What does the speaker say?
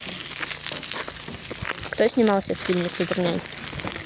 кто снимался в фильме супернянь